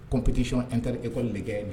Koptisic nt e ko lajɛgɛ